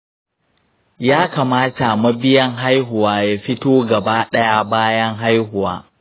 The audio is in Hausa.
yakamata mabiyyan haihuwa ya fito gaba ɗaya bayan haihuwa